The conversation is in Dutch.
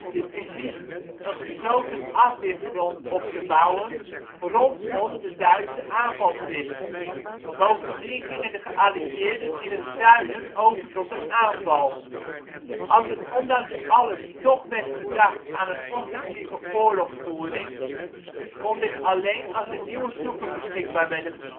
divisies een gesloten afweerfront op te bouwen rondom de Duitse aanvalswig. Bovendien gingen de geallieerden in het zuiden over tot de aanval. Als er ondanks alles toch werd gedacht aan een offensieve oorlogvoering, kon dit alleen als er nieuwe troepen beschikbaar werden